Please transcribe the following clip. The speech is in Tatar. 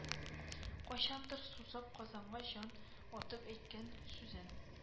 Кайчандыр сусап казанга җан атып әйткән сүзен